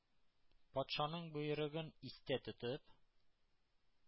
Патшаның боерыгын истә тотып,